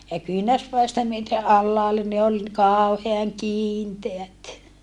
ja kyynärpäistä myöten alhaalle niin oli kauhean kiinteät